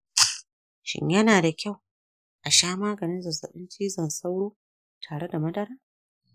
shin yana da kyau a sha maganin zazzabin cizon sauro tare da madara?